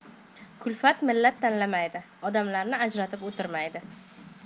kulfat millat tanlamaydi odamlarni ajratib o'tirmaydi